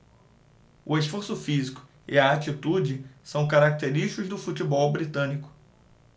o esforço físico e a atitude são característicos do futebol britânico